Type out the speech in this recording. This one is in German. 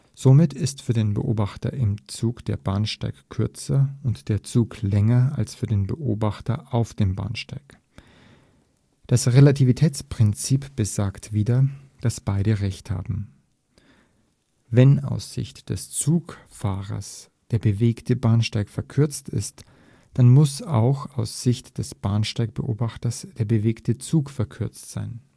Somit ist für den Beobachter im Zug der Bahnsteig kürzer und der Zug länger als für den Beobachter auf dem Bahnsteig. Das Relativitätsprinzip besagt wieder, dass beide recht haben: Wenn aus Sicht des Zugfahrers der (bewegte) Bahnsteig verkürzt ist, dann muss auch aus Sicht des Bahnsteig-Beobachters der (bewegte) Zug verkürzt sein